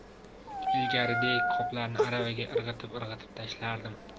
ilgarigidek qoplarni aravaga irg'itib irg'itib tashlardim